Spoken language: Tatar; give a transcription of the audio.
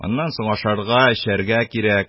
Аннан соң ашарга, эчәргә кирәк;